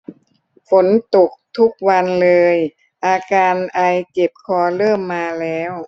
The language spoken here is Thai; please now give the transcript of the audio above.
ฝนตกทุกวันเลยอาการไอเจ็บคอเริ่มมาแล้ว